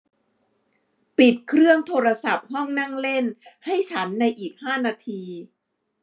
ปิดเครื่องโทรศัพท์ห้องนั่งเล่นให้ฉันในอีกห้านาที